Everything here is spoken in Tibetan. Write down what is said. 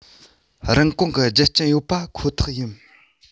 རིན གོང གི རྒྱུ རྐྱེན ཡོད པ ཁོ ཐག ཡིན